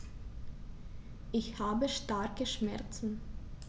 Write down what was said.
Ich habe starke Schmerzen.